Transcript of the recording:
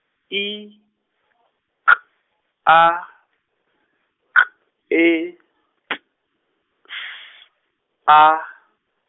I K A K E T S A.